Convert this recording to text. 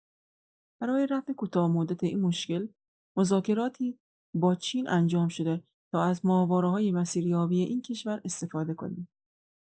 برای رفع کوتاه‌مدت این مشکل مذاکراتی با چین انجام شده تا از ماهواره‌های مسیریابی این کشور استفاده کنیم.